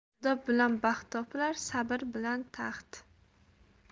odob bilan baxt topilar sabr bilan taxt